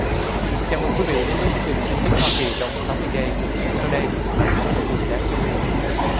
chào mừng quý vị đến với chương trình tin tức hoa kỳ trong sáu mươi giây sau đây là một số nội dung đáng chú ý